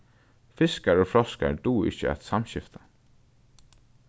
fiskar og froskar duga ikki at samskifta